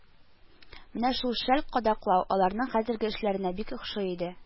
Менә шул шәл кадаклау аларның хәзерге эшләренә бик охшый иде